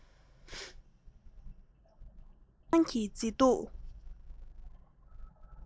སྤང ཐང གི མཛེས སྡུག